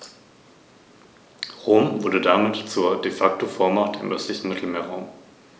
Karthago verlor alle außerafrikanischen Besitzungen und seine Flotte.